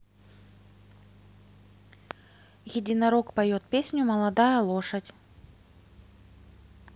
единорог поет песню молодая лошадь